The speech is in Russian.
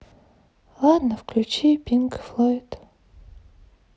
ладно включи пинк флойд